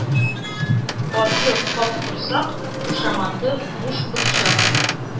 Аты — Капкорсак, кушаматы Бушборчак